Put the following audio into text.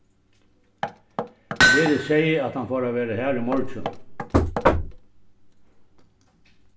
heri segði at hann fór at vera har í morgin